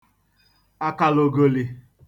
àkàlògòlì